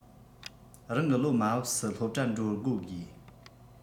རང གི བློ མ བབས སུ སློབ གྲྭ འགྲོ འགྲོ དགོས